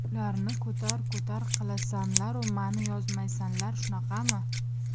ularni ko'tar ko'tar qilasanlaru mani yozmaysanlar shunaqami